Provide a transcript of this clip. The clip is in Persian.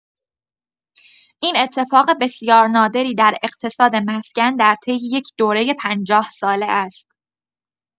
این اتفاق بسیار نادری در اقتصاد مسکن در طی یک دورۀ پنجاه‌ساله است.